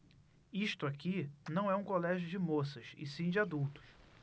isto aqui não é um colégio de moças e sim de adultos